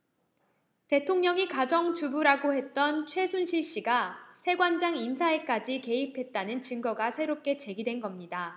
대통령이 가정주부라고 했던 최순실씨가 세관장 인사에까지 개입했다는 증거가 새롭게 제기된겁니다